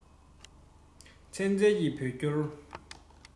ཚན རྩལ གྱི བོད སྐྱོར